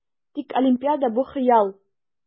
Тик Олимпиада - бу хыял!